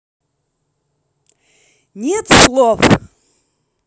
нет слов